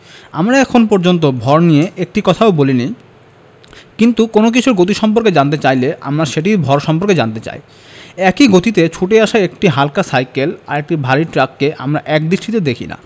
আমরা এখন পর্যন্ত ভর নিয়ে একটি কথাও বলিনি কিন্তু কোনো কিছুর গতি সম্পর্কে জানতে চাইলে আমাদের সেটির ভর সম্পর্কে জানতে চাই একই গতিতে ছুটে আসা একটা হালকা সাইকেল আর একটা ভারী ট্রাককে আমরা একদৃষ্টিতে দেখি না